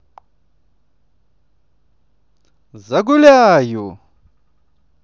загуляю